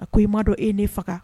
A ko i ma dɔn e ye ne faga